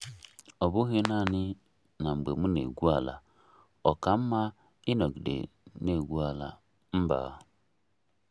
Ọ bụghị naanị na mgbe m na-egwu ala, ọ ka mma ịnọgide na-egwu ala, mba.